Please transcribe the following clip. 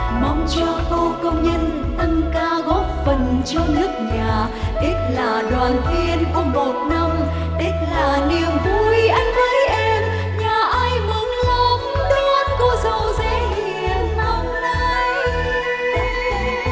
mong cho cô công nhân tăng ca góp phần cho nước nhà tết là đoàn viên của một năm tết là niền vui anh với em nhà ai mừng lắm đón cô dâu rể hiền năm nay